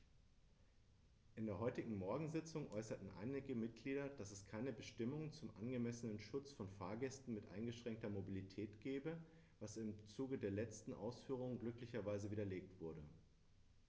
In der heutigen Morgensitzung äußerten einige Mitglieder, dass es keine Bestimmung zum angemessenen Schutz von Fahrgästen mit eingeschränkter Mobilität gebe, was im Zuge der letzten Ausführungen glücklicherweise widerlegt wurde.